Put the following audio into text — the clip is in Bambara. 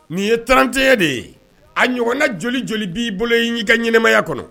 Nin ye trante de ye a ɲɔgɔn na joli joli b'i bolo i y'i ka ɲɛnɛmaya kɔnɔ